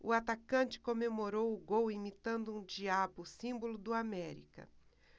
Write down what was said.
o atacante comemorou o gol imitando um diabo símbolo do américa